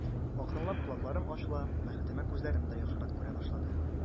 Акрынлап колакларым ачыла, бәхетемә, күзләрем дә яхшырак күрә башлады.